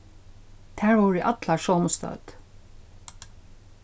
tær vóru allar somu stødd